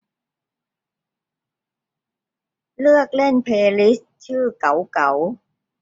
เลือกเล่นเพลย์ลิสต์ชื่อเก๋าเก๋า